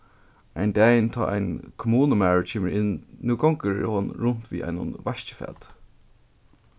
ein dagin tá ein kommunumaður kemur inn nú gongur hon runt við einum vaskifati